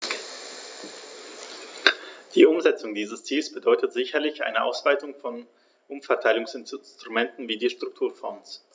Die Umsetzung dieses Ziels bedeutet sicherlich eine Ausweitung von Umverteilungsinstrumenten wie die Strukturfonds.